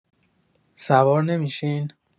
سوار نمی‌شین؟